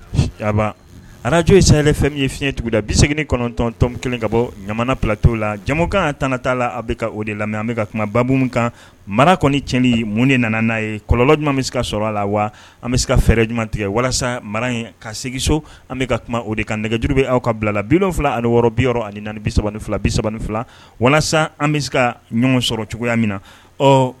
Arajo ye saya fɛn min ye fiɲɛɲɛ tugunda bi segin kɔnɔntɔntɔn kelen ka bɔ ɲamana ptɛ la jamukan kan tan t'a la an bɛ o de la an bɛ ka kumababu kan mara kɔni cɛnɲɛnli mun de nana n'a ye kɔlɔlɔnlɔ ɲuman bɛ se ka sɔrɔ a la wa an bɛ se ka fɛɛrɛ ɲuman tigɛ walasa mara in ka seginso an bɛ ka kuma o de kan nɛgɛjuru bɛ aw ka bila la bi wolonwula ani wɔɔrɔ bi ani bi ni fila bi3 fila walasa an bɛ se ka ɲɔgɔn sɔrɔ cogoya min na ɔ